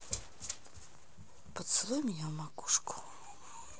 поцелуй меня в макушку